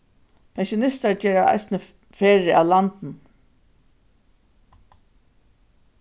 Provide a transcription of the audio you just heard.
pensjonistar gera eisini ferðir av landinum